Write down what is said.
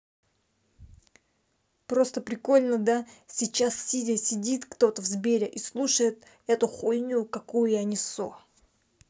просто прикольно да сейчас сидя сидит кто то в сбере и слушает эту хуйню какую я несу